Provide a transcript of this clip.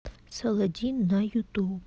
солодин на ютуб